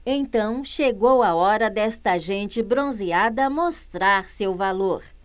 então chegou a hora desta gente bronzeada mostrar seu valor